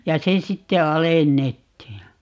ja se sitten alennettiin ja